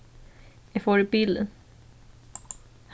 eg fór í bilin